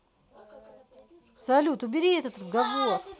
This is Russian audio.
салют убери этот разговор